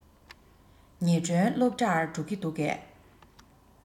ཉི སྒྲོན སློབ གྲྭར འགྲོ གི འདུག གས